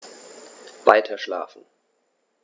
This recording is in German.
Weiterschlafen.